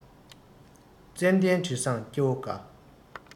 ཙན དན དྲི བཟང སྐྱེ བོ དགའ